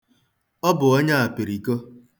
Ọ bụ onye apiriko.